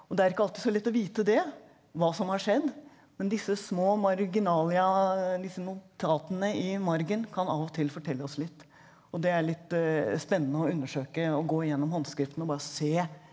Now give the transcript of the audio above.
og det er ikke alltid så lett å vite det hva som har skjedd men disse små marginalia disse notatene i margen kan av og til fortelle oss litt og det er litt spennende å undersøke og gå igjennom håndskriften og bare se.